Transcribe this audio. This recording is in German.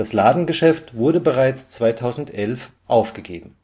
Ladengeschäft wurde bereits 2011 aufgegeben